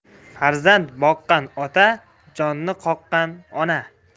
farzand boqqan ota jonni qoqqan ona